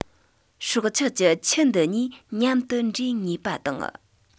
སྲོག ཆགས ཀྱི ཁྱུ འདི གཉིས མཉམ དུ འདྲེ ངེས པ དང